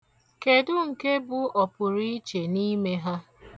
Kedu nke bụ ọpụrụiche n'ime ha?